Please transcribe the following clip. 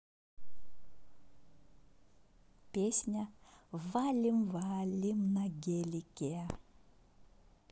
песня валим валим на гелике